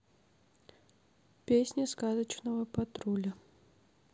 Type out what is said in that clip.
песни сказочного патруля